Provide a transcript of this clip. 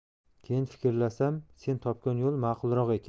keyin fikrlasam sen topgan yo'l ma'qulroq ekan